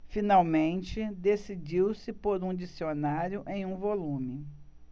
finalmente decidiu-se por um dicionário em um volume